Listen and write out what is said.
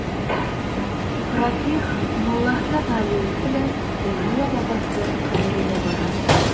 Расих Муллаәхмәт Галиев белән Зәйнулла бабасы каберенә бара.